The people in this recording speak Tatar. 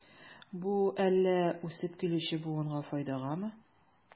Бу әллә үсеп килүче буынга файдагамы?